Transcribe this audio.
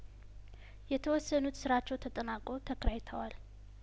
የተወሰኑት ስራቸው ተጠናቆ ተከራይተዋል